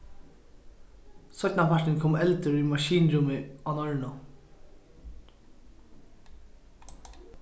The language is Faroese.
seinnapartin kom eldur í maskinrúmið á norrønu